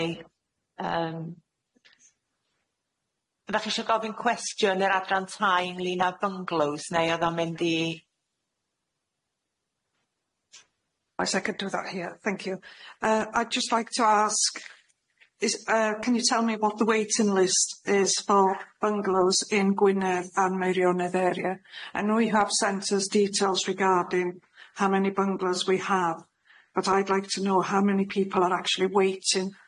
Yym ydach chi isho gofyn cwestiwn yr adran trai ynglŷn â bynglows neu odd o'n mynd i...? Yes I could do that here thank you yy I'd just like to ask is yy can you tell me what the waiting list is for bunglows in Gwynedd and Meirionydd area and know you have sent us details regarding how many byunglows we have but I'd like to know how many people are actually waiting.